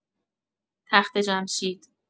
تخت‌جمشید